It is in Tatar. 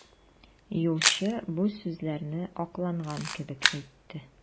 Юлчы бу сүзләрне акланган кебек әйтте.